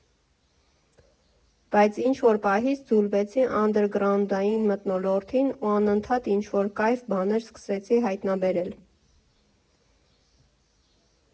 Բայց ինչ֊որ պահից ձուլվեցի անդերգրաունդային մթնոլորտին ու անընդհատ ինչ֊որ կայֆ բաներ սկսեցի հայտնաբերել։